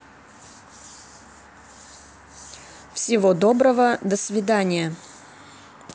всего доброго до свидания